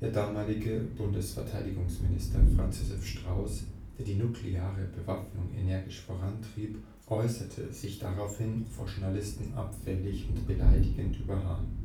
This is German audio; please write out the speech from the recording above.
damalige Bundesverteidigungsminister Franz Josef Strauß, der die nukleare Bewaffnung energisch vorantrieb, äußerte sich daraufhin vor Journalisten abfällig und beleidigend über Hahn